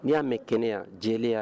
Ni y'a mɛn kɛnɛ yan jeliya